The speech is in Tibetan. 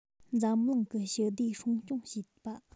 འཛམ གླིང གི ཞི བདེ སྲུང སྐྱོང བྱེད པ